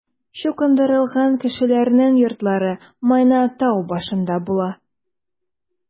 Чукындырылган кешеләрнең йортлары Майна тау башында була.